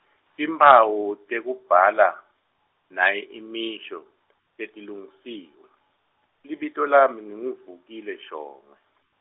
timphawu, tekubhala, nayi imisho, setilungisiwe, libito lami nginguVukile Shongwe .